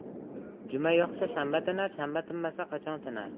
juma yog'sa shanba tinar shanba tinmasa qachon tinar